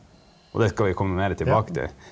og det skal vi komme mere tilbake til.